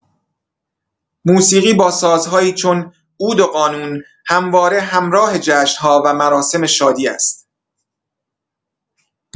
موسیقی با سازهایی چون عود و قانون همواره همراه جشن‌ها و مراسم شادی است.